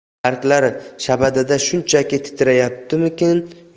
barglar shabadada shunchaki titrayaptimikin